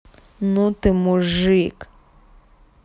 ну ты мужик